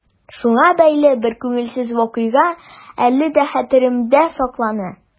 Шуңа бәйле бер күңелсез вакыйга әле дә хәтеремдә саклана.